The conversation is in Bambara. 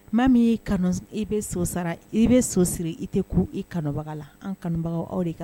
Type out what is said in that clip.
Maa min y'i kanu i bɛ so sara i bɛ so siri i tɛ se i kanubaga la, an kanubagaw aw de